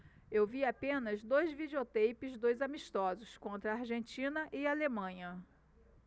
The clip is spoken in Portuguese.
eu vi apenas dois videoteipes dos amistosos contra argentina e alemanha